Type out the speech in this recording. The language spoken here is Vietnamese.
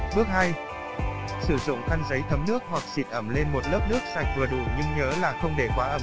bước sử dụng khăn giấy thấm nước hoặc xịt ẩm lên một lớp nước sạch vừa đủ nhưng nhớ là không để quá ẩm ướt